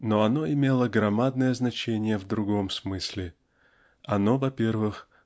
Но оно имело громадное значение в другом смысле оно во-первых